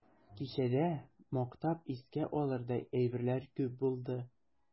Кичәдә мактап искә алырдай әйберләр күп булды.